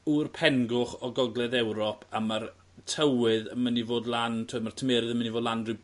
ŵr pengoch o gogledd Ewrop a ma'r tywydd yn myn' i fod lan t'wod ma'r tymerydd yn myn' i fod lan ryw